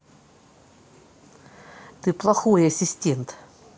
ты плохой ассистент